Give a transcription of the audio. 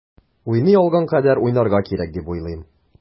Уйный алган кадәр уйнарга кирәк дип уйлыйм.